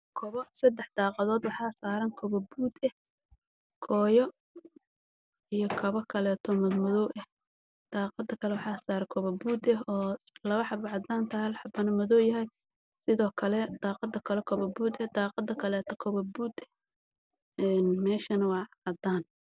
Waa kabo sadax daaqadood ah